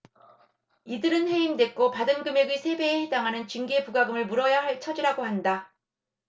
이들은 해임됐고 받은 금액의 세 배에 해당하는 징계부과금을 물어야 할 처지라고 한다